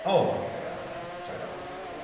O ok ie ie joio.